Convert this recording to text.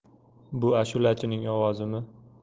bu ashulachining ovozimi